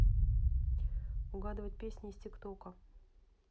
угадывать песни из тик тока